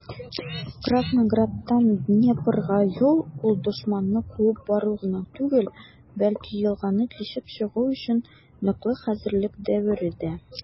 Краснограддан Днепрга юл - ул дошманны куып бару гына түгел, бәлки елганы кичеп чыгу өчен ныклы хәзерлек дәвере дә.